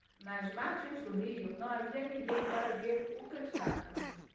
nas margens do rio não havia ninguém para ver o candidato